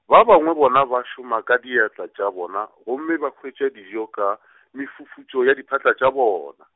ba bangwe bona ba šoma ka diatla tša bona, gomme ba hwetša dijo ka , mefufutšo ya diphatla tša bona.